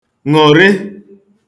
ṅụ̀rị